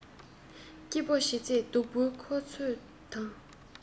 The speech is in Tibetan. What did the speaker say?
སྐྱིད པོ བྱེད ཚོད སྡུག པོའི འཁུར ཚོད དང